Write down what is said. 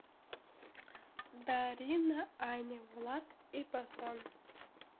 дарина аня влад и ботан